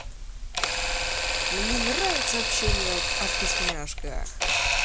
мне нравится общение о вкусняшках